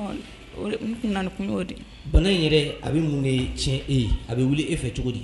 Tun nana kun de bana in yɛrɛ a bɛ mun kɛ tiɲɛ e ye a bɛ wuli e fɛ cogo di